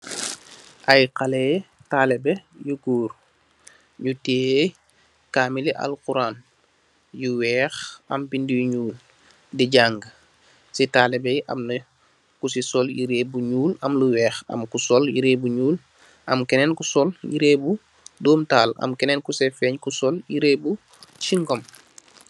Ay xalèh talibeh yu gór yu teyeh kamilu Alkuruàn yu wèèx am bindi yu ñuul di jang. Si talibeh yi am na ku si sol yirèh bu ñuul am lu wèèx, am ku sol yirèh bu ñuul, am kenen ku sol yirèh bu doom tahal, am kenen ku sèè feñ ku sol yirèh bu singom.